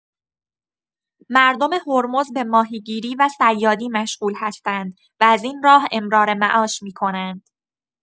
مردم هرمز به ماهیگیری و صیادی مشغول هستند و از این راه امرارمعاش می‌کنند.